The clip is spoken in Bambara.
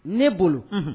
Ne bolo